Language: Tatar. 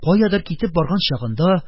Каядыр китеп барган чагында,